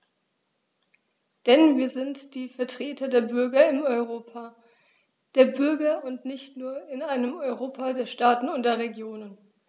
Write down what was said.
Denn wir sind die Vertreter der Bürger im Europa der Bürger und nicht nur in einem Europa der Staaten und der Regionen.